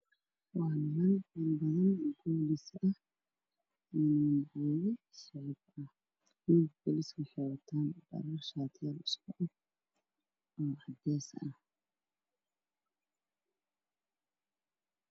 Niman badan iyo kuwa boolis ah iyo madaxweyne. Kuwa booliska waxay wataan shaatiyo cadeys ah.